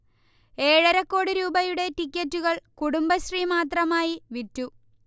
ഏഴരക്കോടി രൂപയുടെ ടിക്കറ്റുകൾ കുടുംബശ്രീ മാത്രമായി വിറ്റു